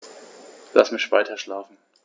Lass mich weiterschlafen.